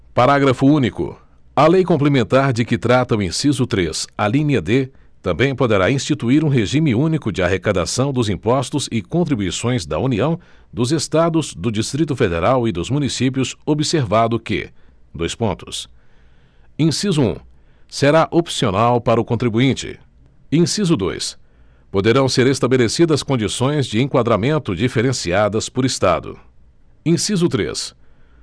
parágrafo único a lei complementar de que trata o inciso três alínea d também poderá instituir um regime único de arrecadação dos impostos e contribuições da união dos estados do distrito federal e dos municípios observado que dois pontos inciso um será opcional para o contribuinte inciso dois poderão ser estabelecidas condições de enquadramento diferenciadas por estado inciso três